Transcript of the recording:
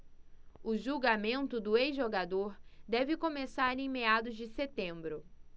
o julgamento do ex-jogador deve começar em meados de setembro